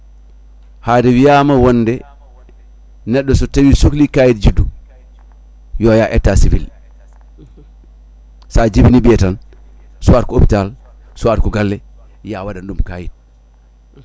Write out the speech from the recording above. haade wiyama wonde neɗɗo so tawi sohli kayit juddu yo yaa état civil sa jibini ɓiiye tan soit ko hôpital soit ko galle ya waɗan ɗum kayit